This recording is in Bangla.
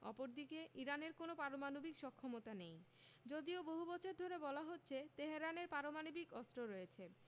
অপরদিকে ইরানের কোনো পারমাণবিক সক্ষমতা নেই যদিও বহু বছর ধরে বলা হচ্ছে তেহরানের পারমাণবিক অস্ত্র রয়েছে